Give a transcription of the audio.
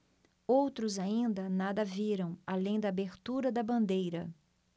outros ainda nada viram além da abertura da bandeira